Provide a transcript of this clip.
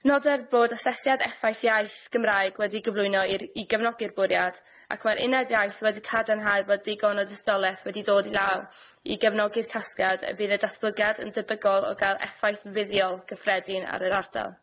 Noder bod asesiad effaith iaith Gymraeg wedi gyflwyno i'r i gefnogi'r bwriad, ac mae'r Uned Iaith wedi cadarnhau fod digon o dystiolaeth wedi dod i law i gefnogi'r casgliad y bydd y datblygiad yn debygol o ga'l effaith fuddiol gyffredin ar yr ardal.